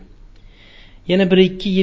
yana bir ikki yil